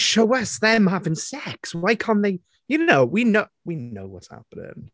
Show us them having sex, why can't they...? You know? We kno- we know what's happening.